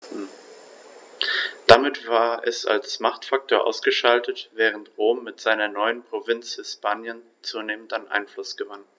Damit war es als Machtfaktor ausgeschaltet, während Rom mit seiner neuen Provinz Hispanien zunehmend an Einfluss gewann.